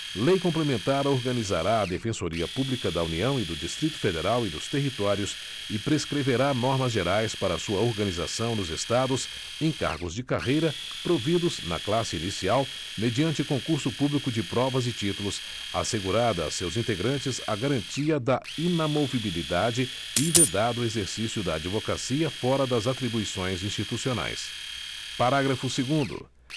lei complementar organizará a defensoria pública da união e do distrito federal e dos territórios e prescreverá normas gerais para sua organização nos estados em cargos de carreira providos na classe inicial mediante concurso público de provas e títulos assegurada a seus integrantes a garantia da inamovibilidade e vedado o exercício da advocacia fora das atribuições institucionais parágrafo segundo